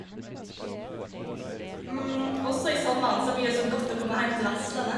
Også i sommeren så blir det så godt å komme heim til Vestlandet.